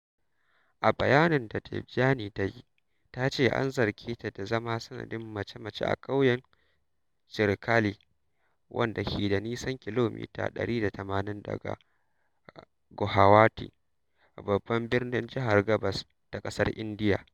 A bayanin da Debjani ta yi ta ce an zarge ta da zama sanadin mace-mace a ƙauyen Cherekali wanda ke da nisan kilomita 180 daga Guhuwati, babban birnin jihar gabas ta ƙasar Indiya.